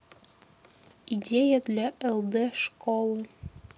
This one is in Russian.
идея для лд школы